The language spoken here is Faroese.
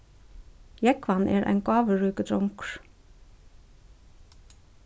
jógvan er ein gávuríkur drongur